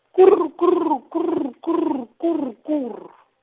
kurr, kurr, kurr, kurr, kurr, kurr.